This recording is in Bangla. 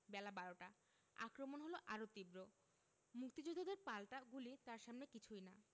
বেলা বারোটা আক্রমণ হলো আরও তীব্র মুক্তিযোদ্ধাদের পাল্টা গুলি তার সামনে কিছুই না